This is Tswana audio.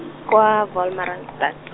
kwa Wolmaranstad.